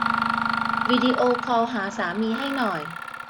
วิดีโอคอลหาสามีให้หน่อย